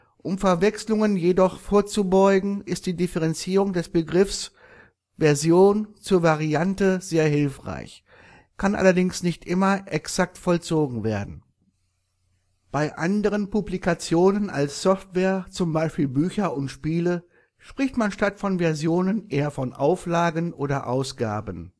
Um Verwechslungen jedoch vorzubeugen, ist die Differenzierung des Begriffs Version zur Variante sehr hilfreich, kann allerdings nicht immer exakt vollzogen werden. Bei anderen Publikationen als Software (zum Beispiel Bücher und Spiele) spricht man statt von Versionen eher von Auflagen oder Ausgaben